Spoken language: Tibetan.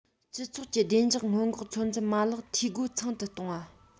སྤྱི ཚོགས ཀྱི བདེ འཇགས སྔོན འགོག ཚོད འཛིན མ ལག འཐུས སྒོ ཚང དུ གཏོང བ